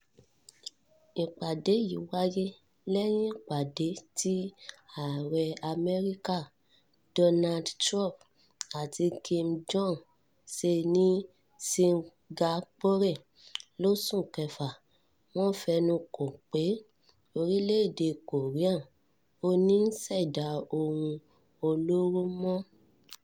Ìpàdé yìí wáyé lẹ́yìn ìpàdé tí Ààrẹ Amẹ́ríkà, Donald Trump àti Kim Jong-un ṣe ní Singapore lóṣù kẹfà. Wọ́n fẹnuko pé orílẹ̀-èdè Korea ‘ò ní ṣẹ̀dá ohun olóró mọ́.